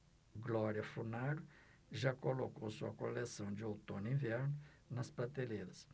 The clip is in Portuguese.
glória funaro já colocou sua coleção de outono-inverno nas prateleiras